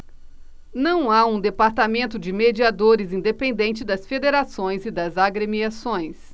não há um departamento de mediadores independente das federações e das agremiações